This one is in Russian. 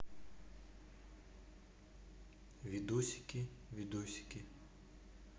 видосики видосики